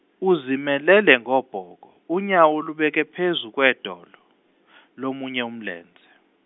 uzimelele ngobhoko unyawo ulubeke phezu kwedolo , lomunye umlenze.